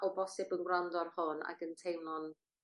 o bosib yn gwrando ar hwn ag yn teimlo'n